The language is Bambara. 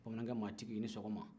bamanankɛ maatigi i ni sɔgɔma